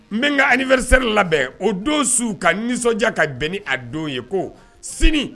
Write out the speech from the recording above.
N bɛ ka anniversaire labɛn o don su ka nisɔndiya ka bɛn ni a don ye ko sini